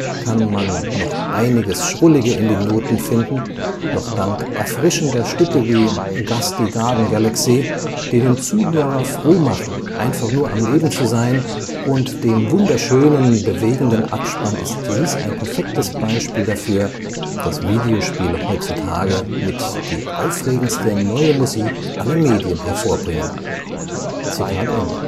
kann man noch einiges Schrullige in den Noten finden, doch dank erfrischender Stücke wie ‚ Gusty Garden Galaxy ‘, die den Zuhörer froh machen, einfach nur am Leben zu sein, und dem wunderschönen, bewegenden Abspann ist dies ein perfektes Beispiel dafür, dass Videospiele heutzutage mit die aufregendste neue Musik aller Medien hervorbringen. “– Alex van Zelfden